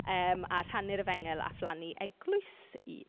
Yym a rhannu'r efengyl a phlannu eglwysi.